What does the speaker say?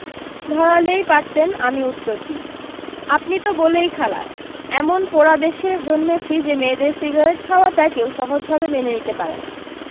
ধরালেই পারতেন আমি উত্তর দিই আপনি তো বলেই খালাস এমন পোড়া দেশে জন্মেছি যে মেয়েদের সিগারেট খাওয়াটা কেউ সহজভাবে মেনে নিতে পারে না